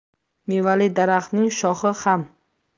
mevali daraxtning shoxi xam